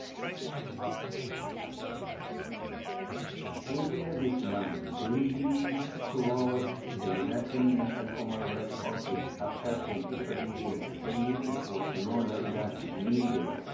The government was incensed with former United Nations High Commissioner for Human Rights, Zeid Ra'ad Al Hussein, who described Nkurunziza’s Burundi as one of the "most prolific slaughterhouses of humans in recent times" in February 2018.